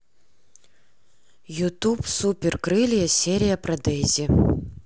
ютуб супер крылья серия про дейзи